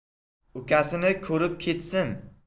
ukasini ko'rib ketsin